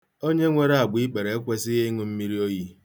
Onye nwere agbaikpere ekwesịghị ịṅụ mmiri oyi.